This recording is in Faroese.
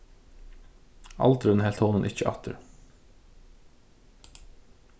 aldurin helt honum ikki aftur